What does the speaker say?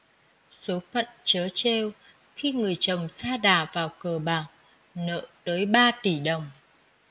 số phận trớ trêu khi người chồng sa đà vào cờ bạc nợ tới ba tỷ đồng